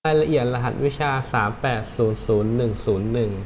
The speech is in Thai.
รายละเอียดรหัสวิชาสามแปดศูนย์ศูนย์หนึ่งศูนย์หนึ่ง